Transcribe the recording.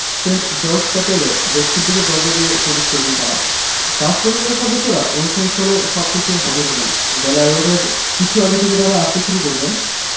Saint George চ্যাপেলের দক্ষিণ দিকের দরজা দিয়ে প্রবেশ করবেন তাঁরা রাজপরিবারের সদস্যরা অনুষ্ঠান স্থলে সবশেষে হাজির হবেন বেলা ১১টার কিছু আগে থেকে তাঁরা আসতে শুরু করবেন